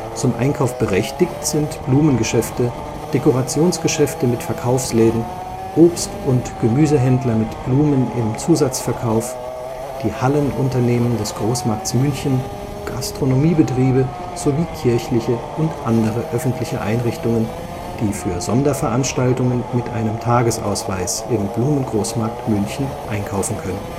Zum Einkauf berechtigt sind Blumengeschäfte, Dekorationsgeschäfte mit Verkaufsläden, Obst - und Gemüsehändler mit Blumen im Zusatzverkauf, die Hallenunternehmen des Großmarkts München, Gastronomiebetriebe sowie kirchliche und andere öffentliche Einrichtungen, die für Sonderveranstaltungen mit einem Tagesausweis im Blumengroßmarkt München einkaufen können